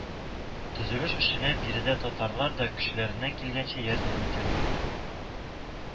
Төзелеш эшенә биредәге татарлар да көчләреннән килгәнчә ярдәм итәләр